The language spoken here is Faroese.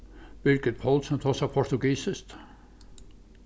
birgit poulsen tosar portugisiskt